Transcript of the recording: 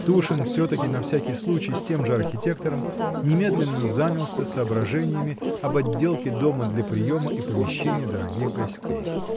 Тушин все-таки, на всякий случай, с тем же архитектором, немедленно занялся соображениями об отделке дома для приема и помещения дорогих гостей.